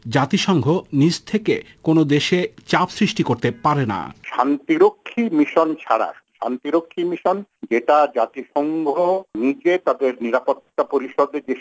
জাতিসংঘ নিচ থেকে কোন দেশে চাপ সৃষ্টি করতে পারে না শান্তিরক্ষী মিশন ছাড়া শান্তিরক্ষী মিশন যেটা জাতিসংঘ নিজে তাদের নিরাপত্তা পরিষদের যে